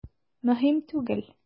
Мөһим түгел.